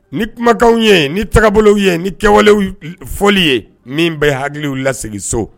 Ni kumakanw ye , ni taabolow ye, ni kɛwale fɔli ye min bɛ hakiliw lasegin so.